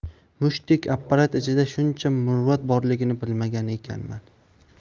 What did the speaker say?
mushtdek apparat ichida shuncha murvat borligini bilmagan ekanman